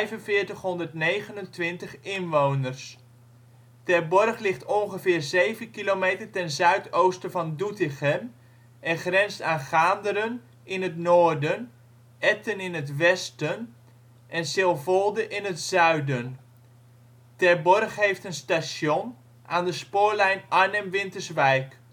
begin 2008 4.529 inwoners. Terborg ligt ongeveer 7 kilometer ten zuidoosten van Doetinchem en grenst aan Gaanderen in het noorden, Etten in het westen en Silvolde in het zuiden. Terborg heeft een station, aan de spoorlijn Arnhem - Winterswijk